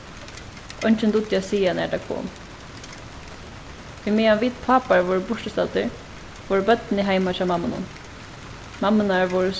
eingin dugdi at siga nær tað kom ímeðan vit pápar vóru burturstaddir vóru børnini heima hjá mammunum mammurnar vóru